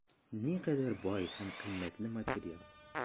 Никадәр бай һәм кыйммәтле материал!